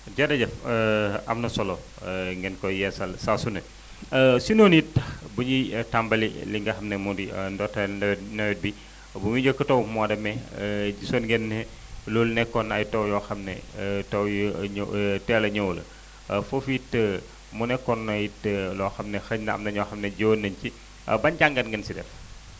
jërëjëf am na solo ngeen koy yeesal saa su ne si noonu it bu ñuy tàmbali li nga xam ne moo di ndorteel nawet bi ba muy njëkk a taw mois de mai gisoon ngeen ne loolu nekkoon na ay taw yoo xam ne taw yu ñë teel a ñëw la foofu it mu nekkoon it loo xam ne xëy na am na ñoo xam ne jiwoon nañu si ban jàngat ngeen si def